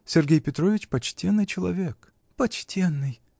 Сергей Петрович -- почтенный человек. -- Почтенный!